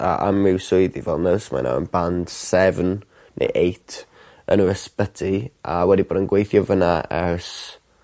a a ma' i'w swydd 'i fel nyrs mae'n yym band seven neu eight yn yr ysbyty a wedi bod yn gweithio fyna ers